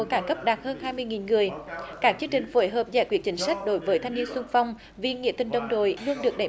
cảng cấp đạt hơn hai mươi nghìn người các chương trình phối hợp giải quyết chính sách đổi với thanh niên xung phong vì nghĩa tình đồng đội luôn được đẩy